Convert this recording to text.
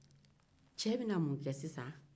ce bɛna mun kɛ sisan